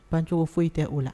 Bancogo foyi tɛ o la